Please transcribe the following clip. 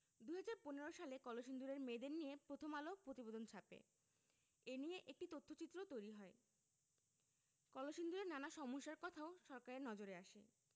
২০১৫ সালে কলসিন্দুরের মেয়েদের নিয়ে প্রথম আলো প্রতিবেদন ছাপে এ নিয়ে একটি তথ্যচিত্রও তৈরি হয় কলসিন্দুরের নানা সমস্যার কথাও সরকারের নজরে আসে